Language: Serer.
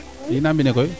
i ndam mbine koy